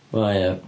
O ia.